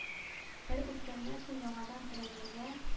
Бер үлгәннән соң яңадан терелергә